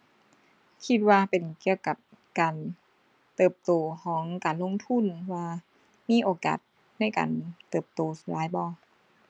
คิดว่าเป็นเกี่ยวกับการเติบโตของการลงทุนว่ามีโอกาสในการเติบโตหลายบ่